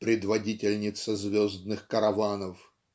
"предводительница звездных караванов"